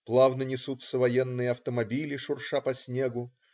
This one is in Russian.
плавно несутся военные автомобили, шурша по снегу